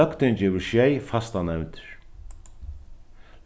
løgtingið hevur sjey fastar nevndir